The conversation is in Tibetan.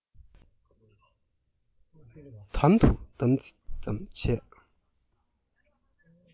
དམ དུ བསྡམས ཙམ བྱས